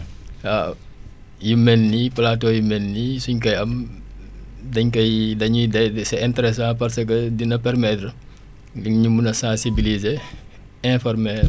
waaw yu mel ni plateau yu mel nii suñ koy am dañ koy dañuy day c' est intéressant parce que dina permettre ñun ñu mun a sensibiliser informer